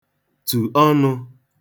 tù ọnụ̄